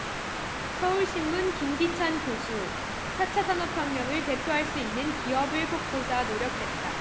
서울신문 김기찬 교수 사 차 산업혁명을 대표할 수 있는 기업을 뽑고자 노력했다